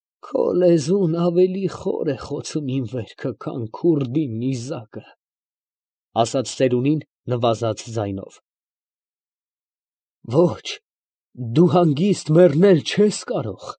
Քո լեզուն ավելի խոր է խոցում իմ վերքը, քան քուրդի նիզակը…։ ֊ Ո՛չ, դու հանգիստ մեռնել չե՜ս կարող։